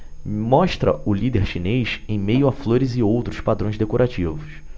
mostra o líder chinês em meio a flores e outros padrões decorativos